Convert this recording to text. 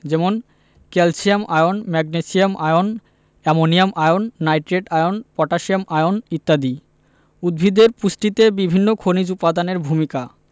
যেমন calcium ion magnesium ion ammonium ion nitrate ion potassium ion ইত্যাদি উদ্ভিদের পুষ্টিতে বিভিন্ন খনিজ উপাদানের ভূমিকা